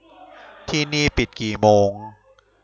ที่นี่ปิดกี่โมง